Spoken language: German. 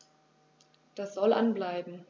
Das soll an bleiben.